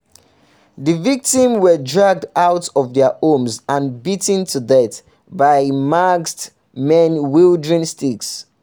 The victims were dragged out of their homes and beaten to death by masked men wielding sticks.